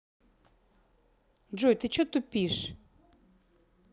джой ты че тупишь